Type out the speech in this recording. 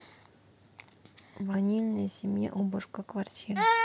ванильная семья уборка квартиры